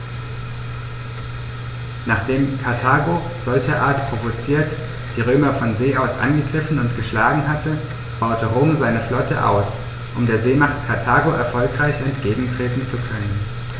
Nachdem Karthago, solcherart provoziert, die Römer von See aus angegriffen und geschlagen hatte, baute Rom seine Flotte aus, um der Seemacht Karthago erfolgreich entgegentreten zu können.